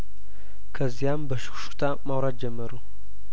ከዚያም በሹክሹክታ ማውራት ጀመሩ